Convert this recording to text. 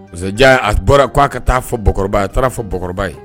Muso jan a fɔra ka ka taa fɔ Bakɔrɔba ye, a taara fɔ Bakɔrɔba ye